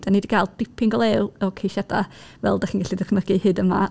Dan ni 'di gael dipyn go lew o ceisiadau, fel dych chi'n gallu dychmygu, hyd yma.